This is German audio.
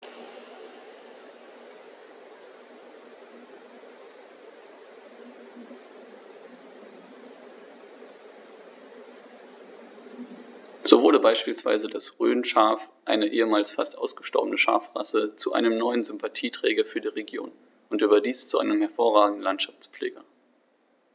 So wurde beispielsweise das Rhönschaf, eine ehemals fast ausgestorbene Schafrasse, zu einem neuen Sympathieträger für die Region – und überdies zu einem hervorragenden Landschaftspfleger.